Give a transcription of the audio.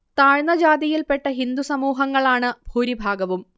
താഴ്ന്ന ജാതിയിൽ പെട്ട ഹിന്ദു സമൂഹങ്ങളാണ് ഭൂരിഭാഗവും